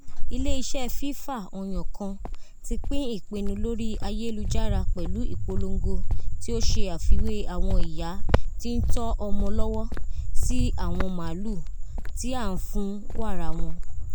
Ile iṣẹ fifa ọyan kan ti pin ipinnu lori ayelujara pẹlu ipolongo ti o ṣe afiwe awọn iya ti n tọ ọmọ lọwọ si awọn maalu ti a n fun wara wọn.